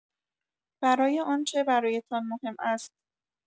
برای آنچه برایتان مهم است.